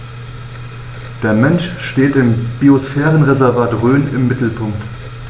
Der Mensch steht im Biosphärenreservat Rhön im Mittelpunkt.